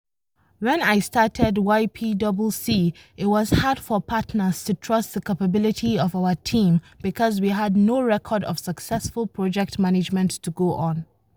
When I started YPWC, it was hard for partners to trust the capability of our team because we had no record of successful project management to go on.